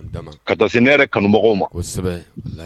Ka sini ne yɛrɛ kanumɔgɔ ma